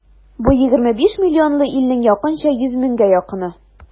Бу егерме биш миллионлы илнең якынча йөз меңгә якыны.